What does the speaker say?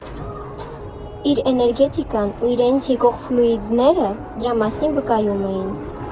Իր էներգետիկան ու իրենից եկող ֆլուիդները դրա մասին վկայում էին։